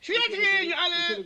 Sutigi ɲɔ ala la